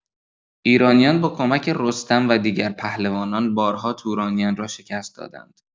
ایرانیان با کمک رستم و دیگر پهلوانان، بارها تورانیان را شکست دادند.